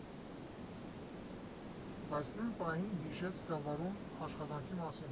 Բայց նույն պահին հիշեց Գավառում աշխատանքի մասին։